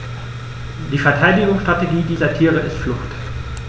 Die Verteidigungsstrategie dieser Tiere ist Flucht.